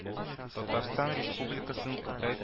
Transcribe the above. Татарстан Республикасын Кытай